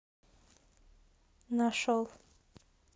нашел